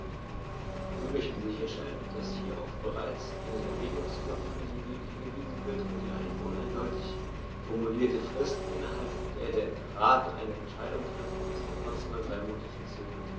Wir möchten sicherstellen, dass hierauf bereits in den Erwägungsgründen hingewiesen wird und die uneindeutig formulierte Frist, innerhalb der der Rat eine Entscheidung treffen muss, auf maximal drei Monate fixiert wird.